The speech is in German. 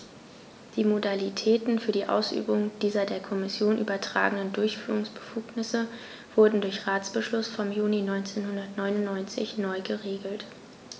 Die Modalitäten für die Ausübung dieser der Kommission übertragenen Durchführungsbefugnisse wurden durch Ratsbeschluss vom Juni 1999 neu geregelt.